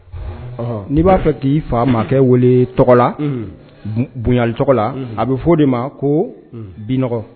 Ɔhɔ n'i b'a fɛ k'i faa makɛ welee tɔgɔ la unhun nb boɲali tɔgɔ la unhun a bɛ f'ɔ de ma ko binɔgɔ